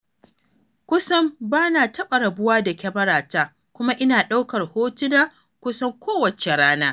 Kusan ba na taɓa rabuwa da kyamarata kuma ina ɗaukar hotuna kusan kowace rana.